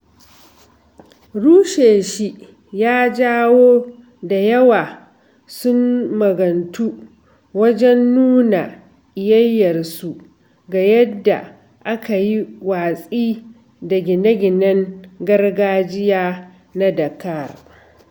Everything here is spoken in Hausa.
Rushe shi ya jawo da yawa sun magantu wajen nuna ƙiyayyarsu ga yadda aka yi watsi da gine-ginen gargajiya na Dhaka.